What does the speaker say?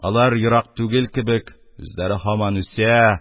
Алар ерак түгел кебек, үзләре һаман үсә,